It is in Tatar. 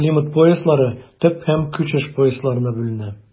Климат пояслары төп һәм күчеш поясларына бүленә.